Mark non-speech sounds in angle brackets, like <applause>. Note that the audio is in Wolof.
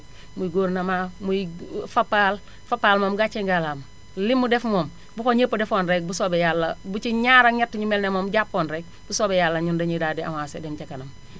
<inhales> muy gouvernement muy <hesitation> Fapal Fapal moom gàcce ngaalaama li mu def moom bu ko ñépp defoon rekk bu soobee Yàlla bu ci ñaar ak ñett ñu mel ne moom jàppoon rekk bu soobee Yàlla ñun dañuy daal di avancé dem ca kanam